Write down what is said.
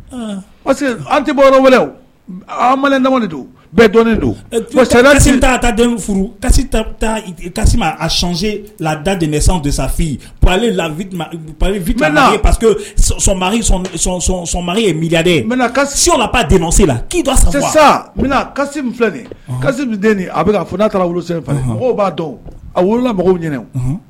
Parce que an tɛ bɔ don don furu sonse lada de de sa fi ye milen mɛ lasensi filɛ kasisi den a fo n'a taara mɔgɔw b'a dɔn a wolola mɔgɔw ɲɛna